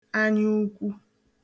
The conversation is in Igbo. anya ukwu